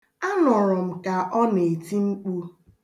A nụrụ m ka ọ na-eti mkpu.